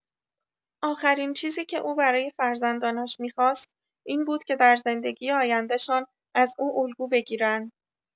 آخرین چیزی که او برای فرزندانش می‌خواست این بود که در زندگی آینده‌شان از او الگو بگیرند.